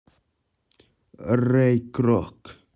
рэй крок